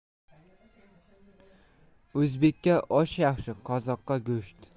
o'zbekka osh yaxshi qozoqqa go'sht